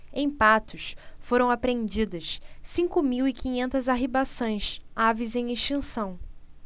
em patos foram apreendidas cinco mil e quinhentas arribaçãs aves em extinção